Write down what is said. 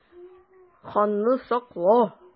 Ханны сакла!